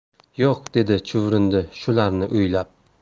yo'q dedi chuvrindi shularni o'ylab